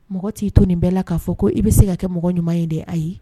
Mɔgɔ t'i to nin bɛɛ la k'a fɔ ko i bɛ se ka kɛ mɔgɔ ɲuman in de a ye